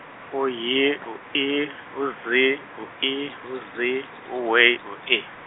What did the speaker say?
u- Y, u- E, u- Z, u- I , u- Z, u- W, u- E.